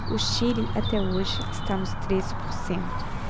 o chile até hoje está nos treze por cento